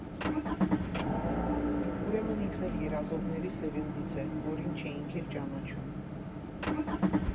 Ուրեմն ինքն էլ «երազողների սերնդից» է, որին չէինք էլ ճանաչում։